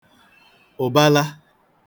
ụ̀bala